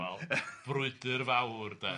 Wel, brwydyr fawr de.